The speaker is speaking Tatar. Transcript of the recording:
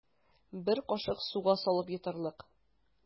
Бер кашык суга салып йотарлык.